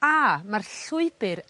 a ma'r llwybyr